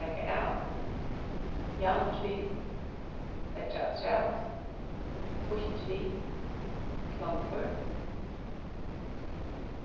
taka av javnt við leggja afturat býtt við klombur